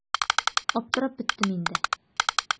Аптырап беттем инде.